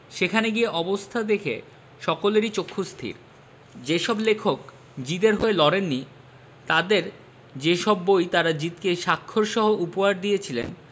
সেখানে গিয়ে অবস্থা দেখে সকলেরই চক্ষুস্থির যে সব লেখক জিদে র হয়ে লড়েন নি তাঁদের যে সব বই তাঁরা জিদ কে স্বাক্ষরসহ উপহার দিয়েছিলেন